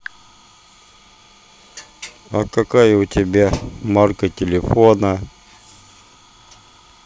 а какая у тебя марки телефон